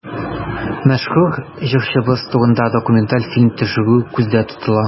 Мәшһүр җырчыбыз турында документаль фильм төшерү күздә тотыла.